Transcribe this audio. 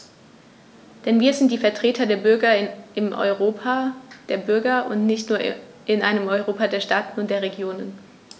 Denn wir sind die Vertreter der Bürger im Europa der Bürger und nicht nur in einem Europa der Staaten und der Regionen.